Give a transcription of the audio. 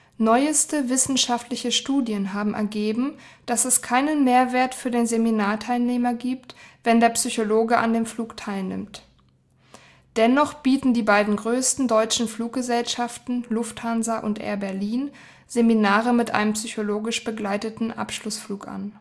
Neueste wissenschaftliche Studien haben ergeben, dass es keinen Mehrwert für den Seminarteilnehmer gibt, wenn der Psychologe an dem Flug teilnimmt. Dennoch bieten die beiden größten deutschen Fluggesellschaften (Lufthansa und Air Berlin) Seminare mit einem psychologisch begleiteten Abschlussflug an